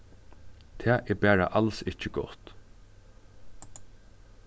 tað er bara als ikki gott